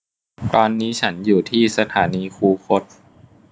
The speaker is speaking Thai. ตอนนี้ฉันอยู่ที่สถานีคูคต